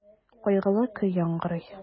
Кайгылы көй яңгырый.